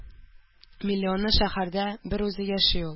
Миллионлы шәһәрдә берүзе яши ул.